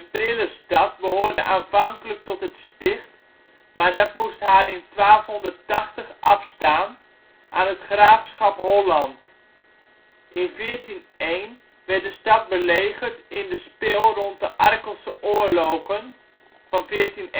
prille stad behoorde aanvankelijk tot het Sticht, maar dat moest haar in 1280 afstaan aan het graafschap Holland. In 1401 werd de stad belegerd in de spil rond de Arkelse Oorlogen (1401-1412